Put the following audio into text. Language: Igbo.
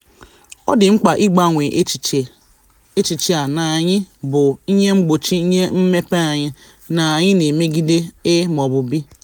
Ọ dị mkpa ịgbanwe echiche a na anyị bụ ihe mgbochi nye mmepe anyị, na anyị na-emegide A mọọbụ B.